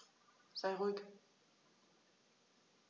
Sei ruhig.